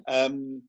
Yym